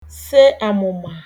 se àmụ̀mà